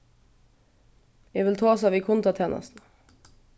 eg vil tosa við kundatænastuna